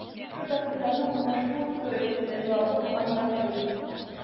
Шушы гастрольләрнең уңышлы үтүе өчен дә җаваплы булган Марат Сәитов.